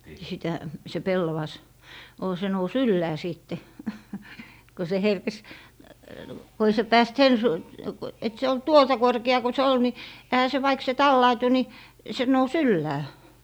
sitä se pellavas oli se nousi ylös sitten kun se herkesi kun ei se päässyt sen - kun että se oli tuota korkea kun se oli niin eihän se vaikka se tallautui niin se nousi ylös